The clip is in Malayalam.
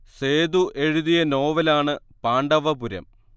സേതു എഴുതിയ നോവലാണ് പാണ്ഡവപുരം